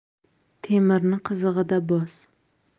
temirni qizig'ida bos